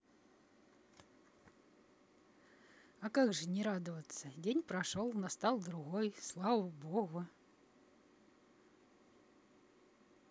а как же не радоваться день прошел настал другой слава богу